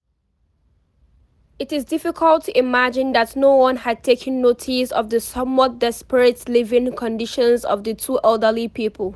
It is difficult to imagine that no one had taken notice of the somewhat desperate living conditions of the two elderly people.